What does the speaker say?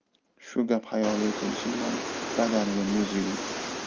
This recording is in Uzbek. shu gap xayoliga kelishi bilan badaniga muz yugurdi